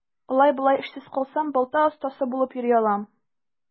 Алай-болай эшсез калсам, балта остасы булып йөри алам.